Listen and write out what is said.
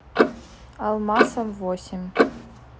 алмасом восемь